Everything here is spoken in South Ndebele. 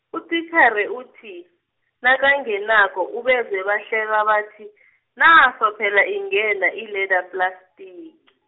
utitjhere uthi, nakangenako ubezwe bahleka bathi, naso phela ingena i-leather plastic.